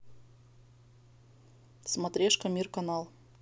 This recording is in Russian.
смотрешка мир канал